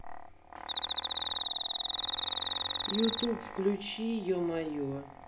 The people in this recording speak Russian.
ютуб включи е мое